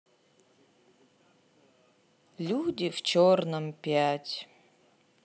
люди в черном пять